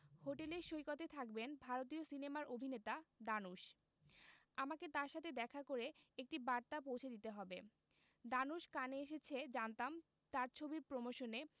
হোটেলের সৈকতে থাকবেন ভারতীয় সিনেমার অভিনেতা দানুশ আমাকে তার সাথে দেখা করে একটি বার্তা পৌঁছে দিতে হবে দানুশ কানে এসেছে জানতাম তার ছবির প্রমোশনে